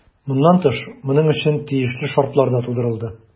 Моннан тыш, моның өчен тиешле шартлар да тудырылды.